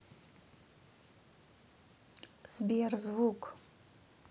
сбер звук